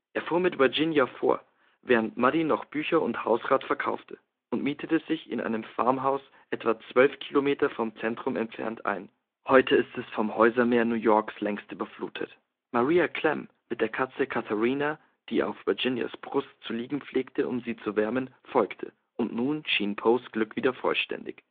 Er fuhr mit Virginia vor, während Muddy noch Bücher und Hausrat verkaufte, und mietete sich in einem Farmhaus 12 km vom Zentrum entfernt ein, es ist heute längst vom Häusermeer New Yorks überflutet. Maria Clemm mit der Katze Catharina (die auf Virginias Brust zu liegen pflegte, um sie zu wärmen) folgte, und nun schien Poes Glück wieder vollständig